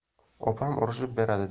opam urishib beradi